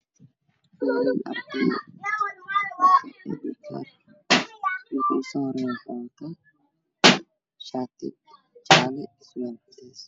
Waa arday dharka ayay dhigteen waxay saarayaan baanga shhaadib jaale